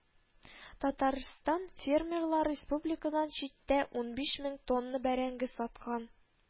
Татарстан фермерлары республикадан читтә унбиш мең тонна бәрәңге саткан